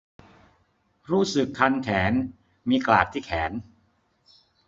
รู้สึกคันแขนมีกลากที่แขน